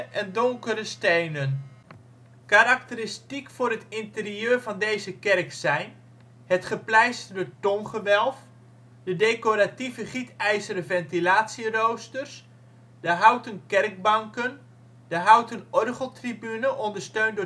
en donkere stenen. Karakteristiek voor het interieur van deze kerk zijn: het gepleisterde tongewelf, de decoratieve gietijzeren ventilatieroosters, de houten kerkbanken, de houten orgeltrubune ondersteund